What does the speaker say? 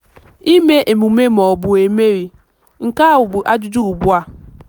Ime emume mọọbụ emeghị, nke ahụ bụ ajụjụ ugbua.